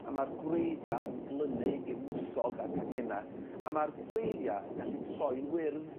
a ma'r gwreiddia yn glynu i'r mwsog a'r canghena a ma'r gwreiddia' yn gallu troi'n wyrdd